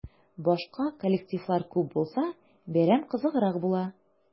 Башка коллективлар күп булса, бәйрәм кызыграк була.